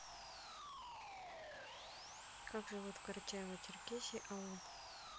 как живут в карачаево черкесии аул